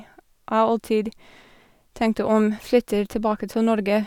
Jeg alltid tenkte om flytter tilbake til Norge.